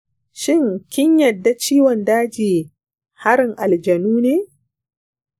shin kin yadda ciwon daji harin aljanu ne?